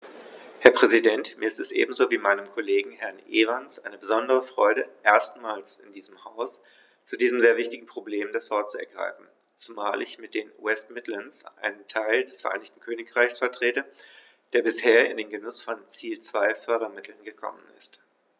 Herr Präsident, mir ist es ebenso wie meinem Kollegen Herrn Evans eine besondere Freude, erstmals in diesem Haus zu diesem sehr wichtigen Problem das Wort zu ergreifen, zumal ich mit den West Midlands einen Teil des Vereinigten Königreichs vertrete, der bisher in den Genuß von Ziel-2-Fördermitteln gekommen ist.